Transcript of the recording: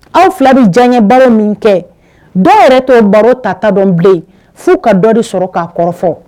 Aw fila bɛ diya ye baro min kɛ dɔw yɛrɛ to baro ta ta dɔn bilen fo ka dɔ de sɔrɔ k'a kɔrɔfɔ